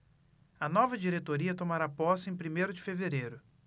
a nova diretoria tomará posse em primeiro de fevereiro